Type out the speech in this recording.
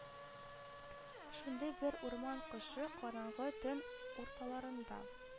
Шундый бер урман кошы – караңгы төн урталарында